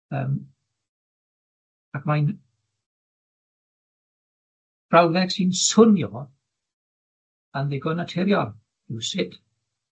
yym, ac mae'n brawddeg sy'n swnio, yn ddigon naturiol, rywsut.